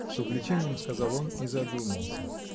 — с увлечением сказал он и задумался.